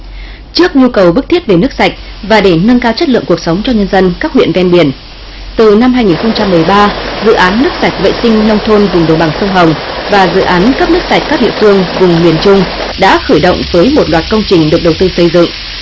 trước nhu cầu bức thiết về nước sạch và để nâng cao chất lượng cuộc sống cho nhân dân các huyện ven biển từ năm hai nghìn không trăm mười ba dự án nước sạch vệ sinh nông thôn vùng đồng bằng sông hồng và dự án cấp nước tại các địa phương vùng miền trung đã khởi động với một loạt công trình được đầu tư xây dựng